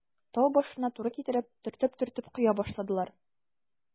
Тау башына туры китереп, төртеп-төртеп коя башладылар.